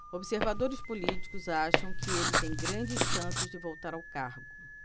observadores políticos acham que ele tem grandes chances de voltar ao cargo